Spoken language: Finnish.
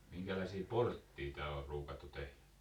minkälaisia portteja täällä on ruukattu tehdä